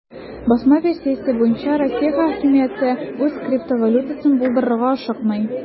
Басма версиясе буенча, Россия хакимияте үз криптовалютасын булдырырга ашыкмый.